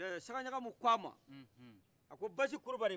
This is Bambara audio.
sagaɲagamou ko a ma a ko basi kulubali